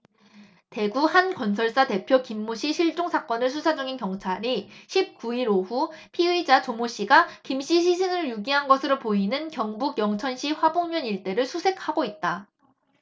대구 한 건설사 대표 김모씨 실종 사건을 수사 중인 경찰이 십 구 일 오후 피의자 조모씨가 김씨 시신을 유기한 것으로 보이는 경북 영천시 화북면 일대를 수색하고 있다